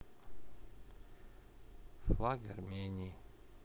флаг армении